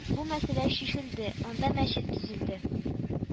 Бу мәсьәлә чишелде, анда мәчет төзелде